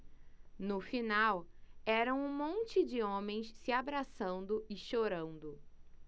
no final era um monte de homens se abraçando e chorando